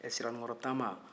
ɛɛ siranikɔrɔ tanba